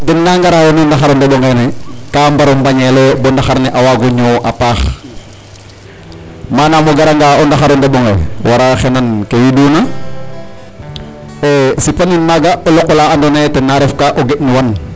Manam o garanga a ga' o ndaxar o ndeɓ onqe wara xendan ke widuna ee sipanin maaga o loq ola andoona yee ten na refka o geƴnuwan.